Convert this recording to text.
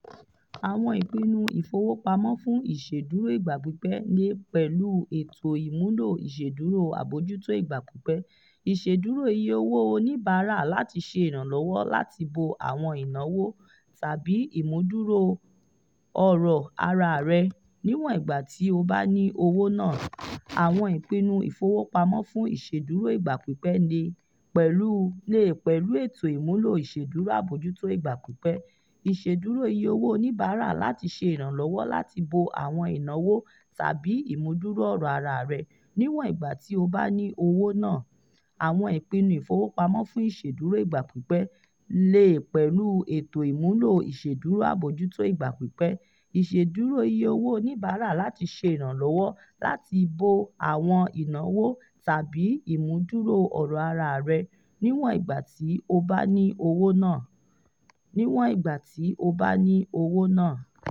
Àwọn ìpinnu ìfowópamọ́ fún ìṣedúró ìgbà pípẹ́ lè pẹ̀lú ètò ìmúlò ìṣedúró àbojútó ìgbà pípẹ́, ìṣedúró iye owó oníbàárà láti ṣe ìrànlọ́wọ́ láti bo àwọn ìnáwó tàbí ìmúdúró ọ̀rọ̀ ara rẹ̀ - níwọn ìgbà tí ó bá ní owó náà.